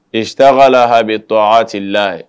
Ita' la abi to alila